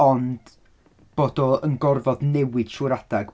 Ond bod o yn gorfod newid trwy'r adeg.